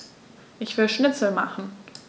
Ich will Schnitzel machen.